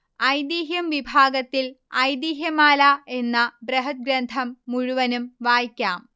ഐതിഹ്യം വിഭാഗത്തിൽ 'ഐതിഹ്യമാല' എന്ന ബൃഹത്ഗ്രന്ഥം മുഴുവനും വായിക്കാം